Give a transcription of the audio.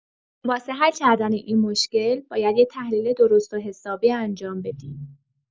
واسه حل کردن این مشکل، باید یه تحلیل درست و حسابی انجام بدیم.